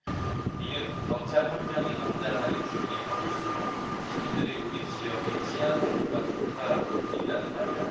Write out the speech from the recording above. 이는 경찰 한 명이 담당하는 주민이 적을수록 시민들이 우리 지역의 치안 상태가 좋다라고 느낀다는 말이다